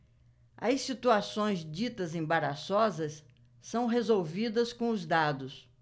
as situações ditas embaraçosas são resolvidas com os dados